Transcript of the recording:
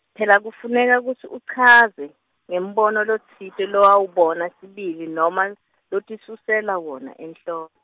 phela kufuneka kutsi uchaze ngembono lotsite lowawubona sibili noma lotisusela wona enhlo-.